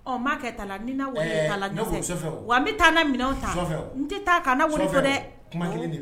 Ɔ ma kɛ taa la ni na wari bɛ taa ɲɛn fɛ, wa mi taa n na minɛw ta, chauffeur kuma 1 don, wa n t'i taa ka na wari to dɛ.